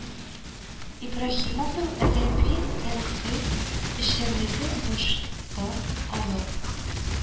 Ибраһимовның әдәби-тәнкыйть эшчәнлеге баштан алып